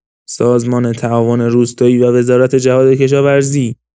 سازمان تعاون روستایی و وزارت جهادکشاورزی